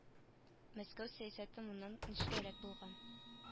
Мәскәү сәясәте моннан нечкәрәк булган